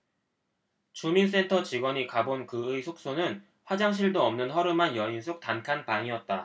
주민센터 직원이 가본 그의 숙소는 화장실도 없는 허름한 여인숙 단칸방이었다